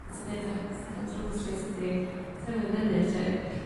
fel ti deud ar stepan drws lle ti 'di tyfu fyny 'llu